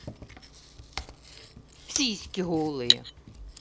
сиськи голые